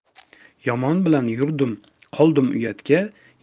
yomon bilan yurdim qoldim uyatga